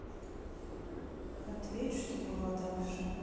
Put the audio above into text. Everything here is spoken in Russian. ответь что было дальше